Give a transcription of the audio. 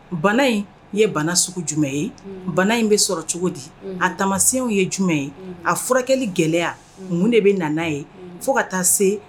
Bana in ye bana sugu jumɛn ye bana in bɛ sɔrɔ cogo di a tamasenw ye jumɛn ye a furakɛli gɛlɛyaya mun de bɛ na ye fo ka taa se